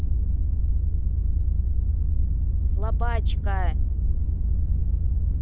слабачка